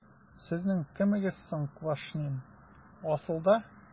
Сезнең кемегез соң ул Квашнин, асылда? ..